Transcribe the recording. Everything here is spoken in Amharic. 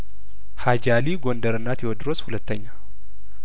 ሀጂ አሊ ጐንደርና ቴዎድሮስ ሁለተኛ